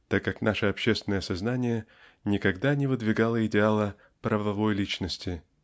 так как наше общественное сознание ни когда не выдвигало идеала правовой личности.